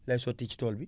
laay sotti ci tool bi